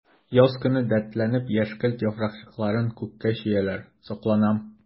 Яз көне дәртләнеп яшькелт яфракчыкларын күккә чөяләр— сокланам.